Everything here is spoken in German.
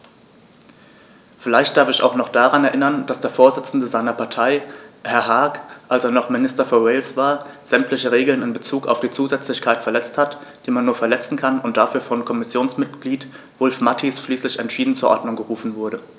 Vielleicht darf ich ihn auch daran erinnern, dass der Vorsitzende seiner Partei, Herr Hague, als er noch Minister für Wales war, sämtliche Regeln in bezug auf die Zusätzlichkeit verletzt hat, die man nur verletzen kann, und dafür von Kommissionsmitglied Wulf-Mathies schriftlich entschieden zur Ordnung gerufen wurde.